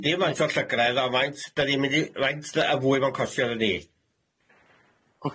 Dim faint o llygredd on faint, 'da ni'n mynd i faint yy y fwy mewn costio idda ni.